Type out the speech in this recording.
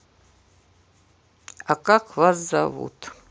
а как вас зовут